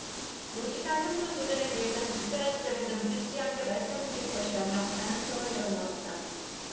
도지사 삼 선 도전에 대해서는 적절한 시점에 너무 늦지 않게 말씀 드릴 것이라며 가능성을 열어놓았다